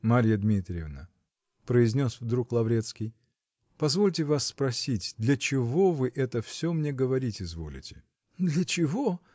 -- Марья Дмитриевна, -- произнес вдруг Лаврецкий, -- позвольте вас спросить, для чего вы это все мне говорить изволите? -- Для чего?